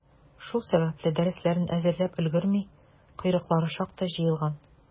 Шул сәбәпле, дәресләрен әзерләп өлгерми, «койрыклары» шактый җыелган.